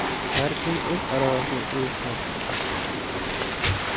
har kim o'z aravasini o'zi tortar